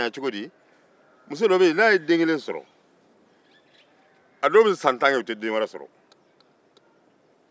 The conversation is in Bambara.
muso dɔw bɛ yen n'a den kelen sɔrɔ a bɛ san kɛ a tɛ wɛrɛ sɔrɔ